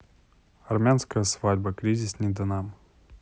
армянская свадьба кризис не до нам